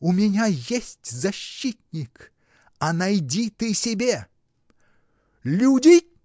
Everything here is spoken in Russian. У меня есть защитник, а найди ты себе! — Люди!